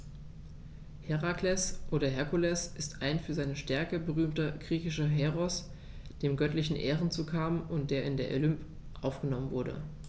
Herakles oder Herkules ist ein für seine Stärke berühmter griechischer Heros, dem göttliche Ehren zukamen und der in den Olymp aufgenommen wurde.